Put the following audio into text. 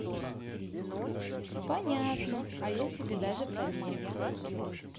понятно а я себе даже проверю